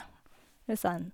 Og sånn.